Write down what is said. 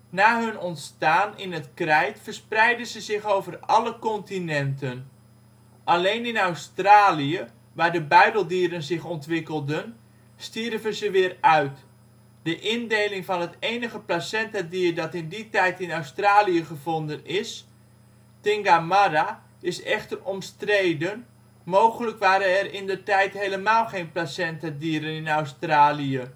hun ontstaan in het Krijt verspreidden ze zich over alle continenten. Alleen in Australië, waar de buideldieren zich ontwikkelden, stierven ze weer uit (de indeling van het enige placentadier dat in die tijd in Australië gevonden is, Tingamarra, is echter omstreden; mogelijk waren er indertijd helemaal geen placentadieren in Australië